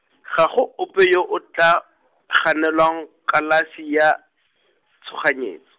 ga go ope yo o tla, ganelwang kalafi ya, tshoganyetso.